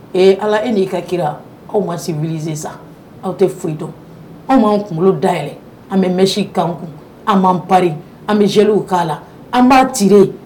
Ee ala e ni'i ka kira aw ma si wulizsan aw tɛ foyi dɔn anw'an kunkolo da an bɛ mɛ misi kan kun an b'an panri an bɛ jɛw kan la an b'a tile